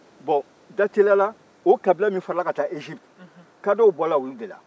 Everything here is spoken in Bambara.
bon dateliya o kabila min fara ka taa eziputi kadɔw bɔra olu de la